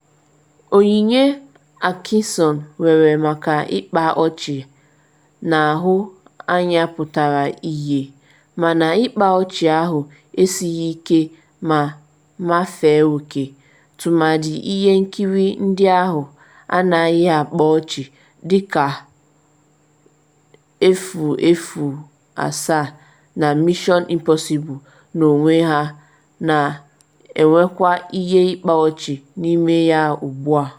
Onyinye Atkinson nwere maka ịkpa ọchị a na-ahụ anya pụtara ihie, mana ịkpa ọchị ahụ esighi ike ma mafee oke, tụmadị ihe nkiri ndị ahụ “anaghị akpa ọchị” dịka 007 na Mission Impossible n’onwe ha na-enwekwa ihe ịkpa ọchị n’ime ya ugbu a.